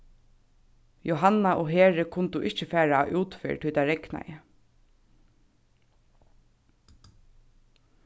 jóhanna og heri kundu ikki fara á útferð tí tað regnaði